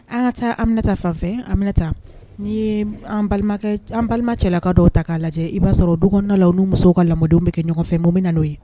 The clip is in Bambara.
An ka taa Aminata fan fɛ . Aminata ni ye an balima cɛla ka dɔw ta ka lajɛ i ba sɔrɔ du kɔnɔna la u ni musow ka lamɔdenw bɛ kɛ ɲɔgɔn fɛ mun bi na no ye